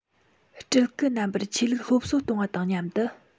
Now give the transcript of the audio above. སྤྲུལ སྐུ རྣམ པར ཆོས ལུགས སློབ གསོ གཏོང བ དང མཉམ དུ